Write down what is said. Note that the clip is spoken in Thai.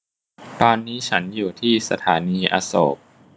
ตอนนี้ฉันอยู่ที่สถานีอโศก